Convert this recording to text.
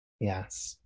Yes.